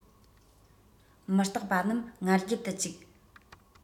མུ སྟེགས པ རྣམས ང རྒྱལ དུ བཅུག